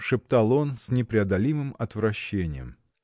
— шептал он с непреодолимым отвращением.